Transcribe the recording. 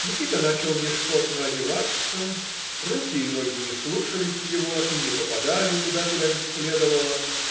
Никита начал мешкотно одеваться, руки и ноги не слушались его и не попадали туда, куда им следовало.